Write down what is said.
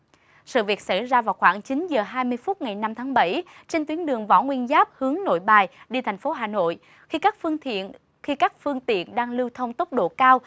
sự việc xảy ra vào khoảng chín giờ hai mươi phút ngày năm tháng bảy trên tuyến đường võ nguyên giáp hướng nội bài đi thành phố hà nội khi các phương tiện khi các phương tiện đang lưu thông tốc độ cao